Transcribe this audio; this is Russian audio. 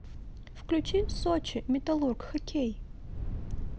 включи сочи металлург хоккей